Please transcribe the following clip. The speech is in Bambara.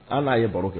An n'a ye baro kɛ